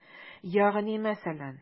Ягъни мәсәлән?